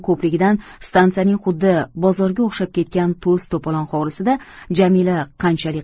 ko'pligidan stansiyaning xuddi bozorga o'xshab ketgan to's to'polon hovlisida jamila qanchalik